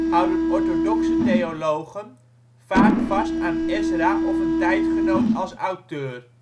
houden orthodoxe (r.k.) theologen vaak vast aan Ezra of een tijdgenoot als auteur